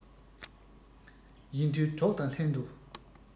ཡིད མཐུན གྲོགས དང ལྷན ཏུ